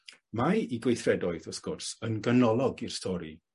Mae 'u gweithredoedd wrth gwrs yn ganolog i'r stori.